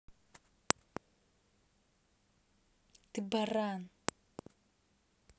ты баран